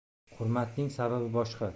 hurmatning sababi boshqa